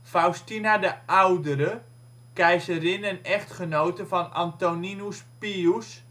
Faustina de Oudere (*~ 98 n.Chr. -†~ 140 n.Chr.), keizerin en echtgenote van Antoninus Pius